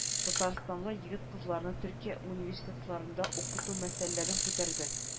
Татарстанлы егет-кызларны төркия университетларында укыту мәсьәләләрен күтәрде